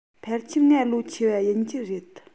ཕལ ཆེར ང ལོ ཆེ བ ཡིན རྒྱུ རེད